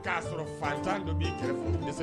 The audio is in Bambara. I'a sɔrɔ fa doni kɛrɛfɛ